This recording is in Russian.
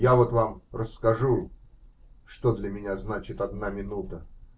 Я вот вам расскажу, что для меня значит одна минута.